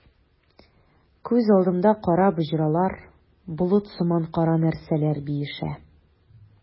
Күз алдымда кара боҗралар, болыт сыман кара нәрсәләр биешә.